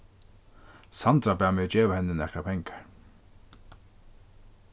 sandra bað meg geva henni nakrar pengar